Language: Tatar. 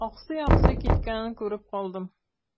Аксый-аксый киткәнен күреп калдым.